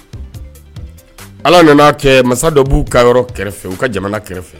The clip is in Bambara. Ala nana a kɛ masa dɔw b' u ka yɔrɔ kɛrɛfɛ u ka jamana kɛrɛfɛ